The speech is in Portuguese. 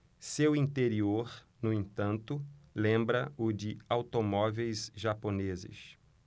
seu interior no entanto lembra o de automóveis japoneses